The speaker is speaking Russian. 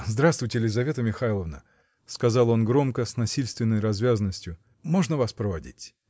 -- Здравствуйте, Лизавета Михайловна, -- сказал он громко, с насильственной развязностью, -- можно вас проводить?